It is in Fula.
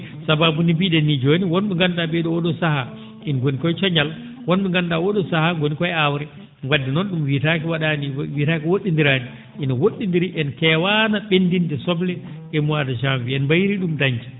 sabaabu no mbie?en nii jooni won?e nganndu?aa oo ?oo sahaa ?een ngoni koye coñal won ?e nganndu?aa oo ?oo sahaa ngoni ko ye aawri wadde noon ?um witaake wa?aani wiitaake wo??onndiraani ina wo??onndiri en keewaano ?endinde soble e mois de janvier en mbayrii ?um dañde